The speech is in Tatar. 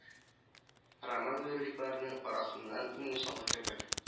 Роман-рюрикларның арасыннан иң усалы кебек